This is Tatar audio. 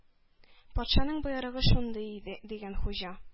— патшаның боерыгы шундый иде,— дигән хуҗа.